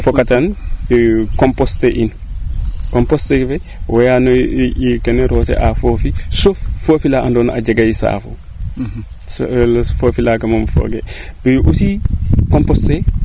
koo fokatan compose te in compos fe waraano keena roose a foofi foof la ando na a jegay saafu foofi laaga moomn fogee mais aussi compos fee